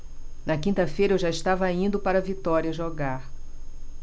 na quinta-feira eu já estava indo para vitória jogar